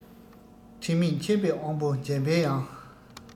དྲི མེད མཁྱེན པའི དབང བོ འཇམ པའི དབྱངས